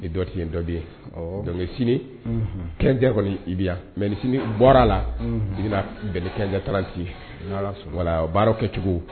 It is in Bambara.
Dɔti dɔbi yen sini kɛja kɔni i bɛ yan mɛ sini bɔra la bɛn kɛja taara ci baara kɛ cogo